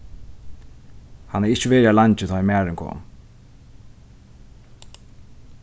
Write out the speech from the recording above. hann hevði ikki verið har leingi tá ið marin kom